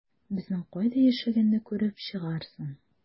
Безнең кайда яшәгәнне күреп чыгарсың...